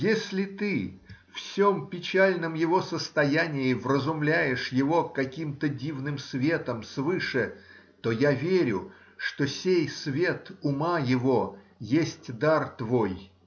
если ты, в сем печальном его состоянии, вразумляешь его каким-то дивным светом свыше, то я верю, что сей свет ума его есть дар твой!